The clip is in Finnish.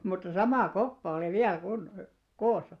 mutta mutta sama koppa oli vielä - koossa